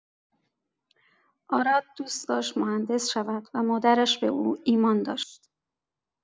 آراد دوست داشت مهندس شود و مادرش به او ایمان داشت.